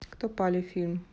кто пали фильм